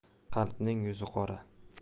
qalbning yuzi qora